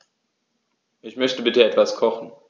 Ich möchte bitte etwas kochen.